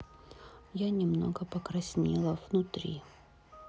я немного покраснела внутри